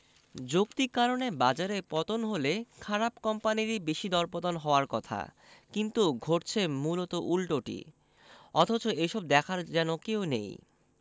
যৌক্তিক কারণে বাজারে পতন হলে খারাপ কোম্পানিরই বেশি দরপতন হওয়ার কথা কিন্তু ঘটছে মূলত উল্টোটি অথচ এসব দেখার যেন কেউ নেই